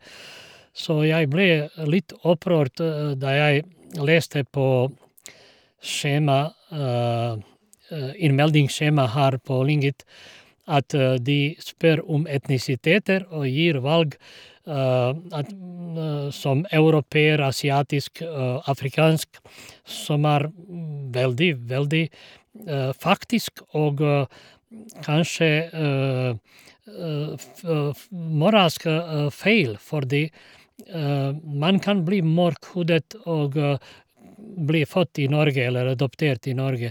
Så jeg ble litt opprørt da jeg leste på skjema innmeldingsskjema her på Lingit at de spør om etnisiteter og gir valg at som europeer, asiatisk, afrikansk, som er veldig, veldig faktisk og kanskje f f moralsk feil, fordi man kan bli mørkhudet og bli født i Norge eller adoptert i Norge.